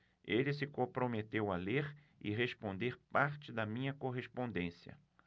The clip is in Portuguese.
ele se comprometeu a ler e responder parte da minha correspondência